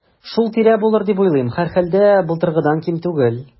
Шул тирә булыр дип уйлыйм, һәрхәлдә, былтыргыдан ким түгел.